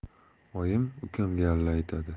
oyim ukamga alla aytadi